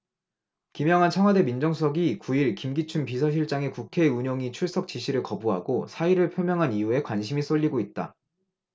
김영한 청와대 민정수석이 구 일 김기춘 비서실장의 국회 운영위 출석 지시를 거부하고 사의를 표명한 이유에 관심이 쏠리고 있다